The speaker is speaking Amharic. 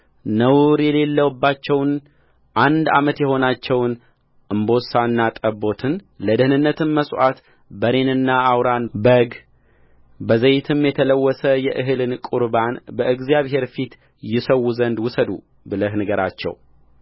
ነውር የሌለባቸውን አንድ ዓመት የሆናቸውን እምቦሳና ጠቦትን ለደኅንነትም መሥዋዕት በሬንና አውራን በግ በዘይትም የተለወሰ የእህልን ቍርባን በእግዚአብሔር ፊት ይሠዉ ዘንድ ውሰዱ ብለህ ንገራቸው